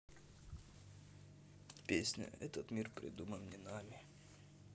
песня этот мир придуман не нами